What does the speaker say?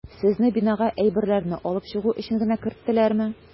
Сезне бинага әйберләрне алып чыгу өчен генә керттеләрме?